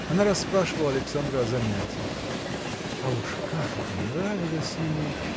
Она расспрашивала Александра о занятиях. А уж как это нравилось ему!